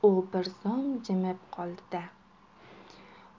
u bir zum jimib qoldi da